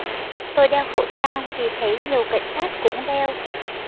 tôi đeo khẩu trang vì thấy nhiều cảnh sát cũng đeo